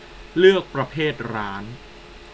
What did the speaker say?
เลือกประเภทร้าน